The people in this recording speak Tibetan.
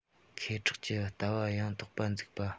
ཁེ གྲགས ཀྱི ལྟ བ ཡང དག པ འཛུགས པ